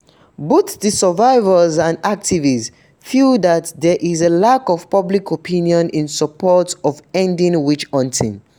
Both the survivors and activists feel that there is a lack of public opinion in support of ending witch-hunting.